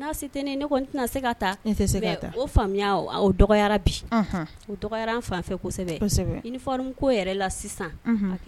O fan ko yɛrɛ la sisan